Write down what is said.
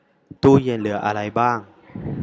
ตู้เย็นเหลืออะไรบ้าง